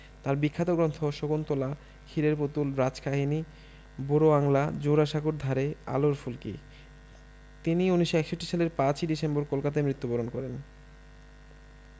তার বিখ্যাত গ্রন্থ শকুন্তলা ক্ষীরের পুতুল রাজকাহিনী বুড়ো আংলা জোড়াসাঁকোর ধারে আলোর ফুলকি তিনি ১৯৫১ সালে ৫ই ডিসেম্বর কলকাতায় মৃত্যুবরণ করেন